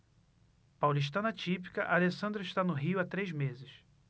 paulistana típica alessandra está no rio há três meses